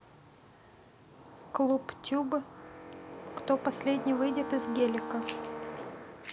клуб tube кто последний выйдет из гелика